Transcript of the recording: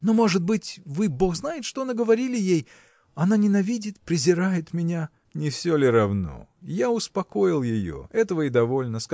– Но, может быть, вы бог знает что наговорили ей. Она ненавидит, презирает меня. – Не все ли равно? я успокоил ее – этого и довольно